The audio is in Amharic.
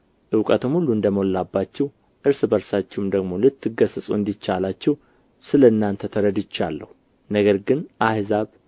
እውቀትም ሁሉ እንደ ሞላባችሁ እርስ በርሳችሁም ደግሞ ልትገሠጹ እንዲቻላችሁ ስለ እናንተ ተረድቼአለሁ ነገር ግን አሕዛብ